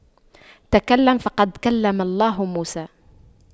تكلم فقد كلم الله موسى